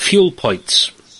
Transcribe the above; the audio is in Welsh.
Fuel Points.